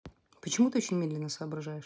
почему ты очень медленно соображаешь